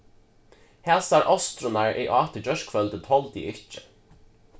hasar ostrurnar eg át í gjárkvøldið toldi eg ikki